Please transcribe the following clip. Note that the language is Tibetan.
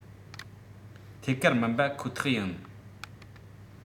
ཐད ཀར མིན པ ཁོ ཐག ཡིན